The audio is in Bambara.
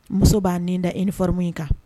Muso b'a n da i ni fɔramu in kan